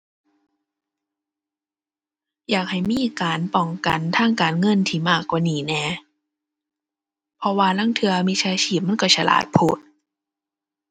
อยากให้มีการป้องกันทางการเงินที่มากกว่านี้แหน่ เพราะว่าลางเทื่อมิจฉาชีพมันก็ฉลาดโพด